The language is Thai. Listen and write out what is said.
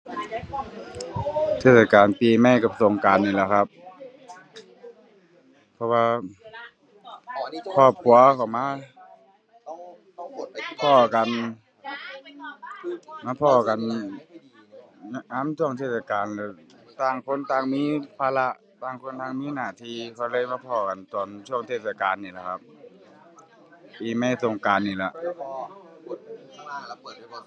เทศกาลปีใหม่กับสงกรานต์นี่ล่ะครับ เพราะว่าครอบครัวเขามาพ้อกัน มาพ้อกัน ยะ ยามช่วงเทศกาลแล้วต่างคนต่างมีภาระ ต่างคนต่างมีหน้าที่ค่อยได้มาพ้อกันตอนช่วงเทศกาลนี่ล่ะครับ ปีใหม่สงกรานต์นี่ล่ะ